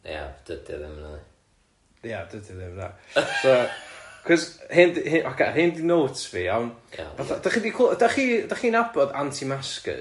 Ia dydi o ddim na? Ia dydi o ddim na. So 'chos hyn d- he- ocê, rhein 'di notes fi iawn fatha 'dach chi 'di cl- 'dach chi 'dach chi nabod anti-maskers?